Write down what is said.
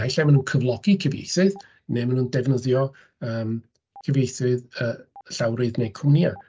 Naill ai maen nhw'n cyflogi cyfeithydd, neu maen nhw'n defnyddio yym cyfieithydd llawrydd neu cwmnïau.